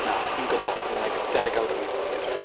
Na, fi'n gwbod, fi'n like degawd rhy hwyr.